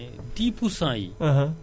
bu fekkee ne bay nga hectare